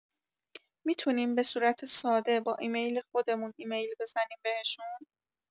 می‌تونیم به صورت ساده با ایمیل خودمون ایمیل بزنیم بهشون؟